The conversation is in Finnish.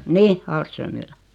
niin Ahlströmillä